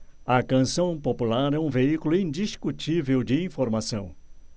a canção popular é um veículo indiscutível de informação